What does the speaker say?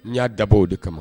N y'a dabɔ o de kama